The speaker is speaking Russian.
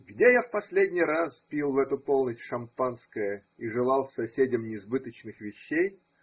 Где я в последний раз пил в эту полночь шампанское и желал соседям несбыточных вещей?